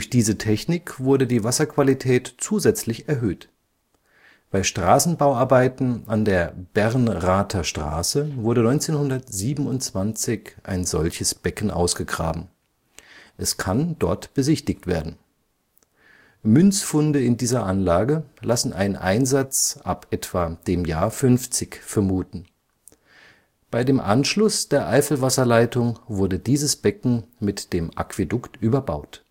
diese Technik wurde die Wasserqualität zusätzlich erhöht. Bei Straßenbauarbeiten an der Berrenrather Straße wurde 1927 ein solches Becken ausgegraben. Es kann dort besichtigt werden. Münzfunde in dieser Anlage lassen einen Einsatz ab etwa dem Jahr 50 vermuten. Bei dem Anschluss der Eifelwasserleitung wurde dieses Becken mit dem Aquädukt überbaut